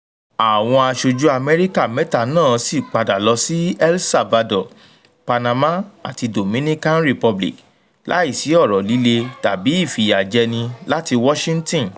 Àwọn aṣojú Amẹ́ríkà mẹ́ta náà sì padà lọ sí El Salvador, Panama àti Dominican Republic láìsí ọ̀rọ̀ líle tàbí ìfìyàjẹni láti Washington.